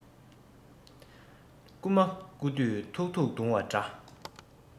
རྐུན མ རྐུ དུས ཐུག ཐུག རྡུང བ འདྲ